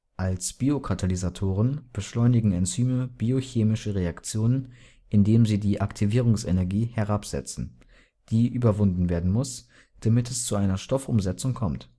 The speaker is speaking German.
Als Biokatalysatoren beschleunigen Enzyme biochemische Reaktionen, indem sie die Aktivierungsenergie herabsetzen, die überwunden werden muss, damit es zu einer Stoffumsetzung kommt